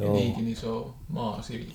ja niinkin iso maa siltä